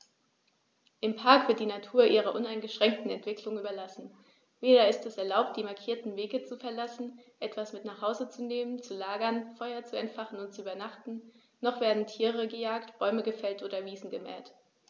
Im Park wird die Natur ihrer uneingeschränkten Entwicklung überlassen; weder ist es erlaubt, die markierten Wege zu verlassen, etwas mit nach Hause zu nehmen, zu lagern, Feuer zu entfachen und zu übernachten, noch werden Tiere gejagt, Bäume gefällt oder Wiesen gemäht.